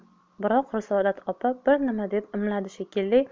biroq risolat opa bir nima deb imladi shekilli